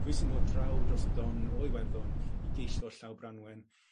Pwy sy'n dod draw dros y don o Iwerddon i geisio llaw Branwen?